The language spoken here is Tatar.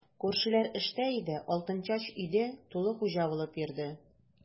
Күршеләр эштә иде, Алтынчәч өйдә тулы хуҗа булып йөрде.